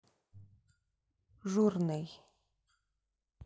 journey